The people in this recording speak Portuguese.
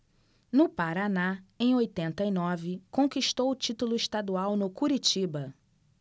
no paraná em oitenta e nove conquistou o título estadual no curitiba